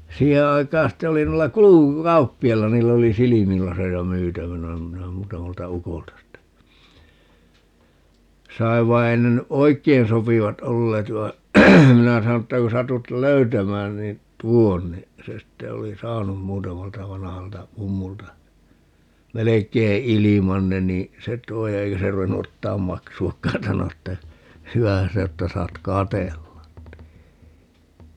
siihen aikaan sitten oli noilla kulkukauppiailla niillä oli silmälaseja myytävänä minä muutamalta ukolta sitten sain vaan ei ne nyt oikein sopivat olleet vaan minä sanoin että kun satut löytämään niin tuo niin se sitten oli saanut muutamalta vanhalta mummulta melkein ilman ne niin se toi eikä se ruvennut ottamaan maksuakaan sanoi että hyvähän se on että saat katsella niin